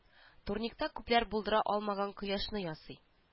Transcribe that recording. Турникта күпләр булдыра алмаган кояшны ясый